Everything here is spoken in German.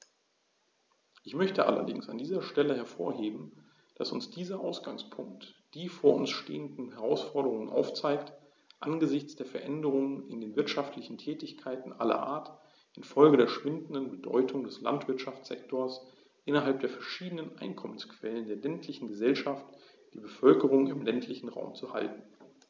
Ich möchte allerdings an dieser Stelle hervorheben, dass uns dieser Ausgangspunkt die vor uns stehenden Herausforderungen aufzeigt: angesichts der Veränderungen in den wirtschaftlichen Tätigkeiten aller Art infolge der schwindenden Bedeutung des Landwirtschaftssektors innerhalb der verschiedenen Einkommensquellen der ländlichen Gesellschaft die Bevölkerung im ländlichen Raum zu halten.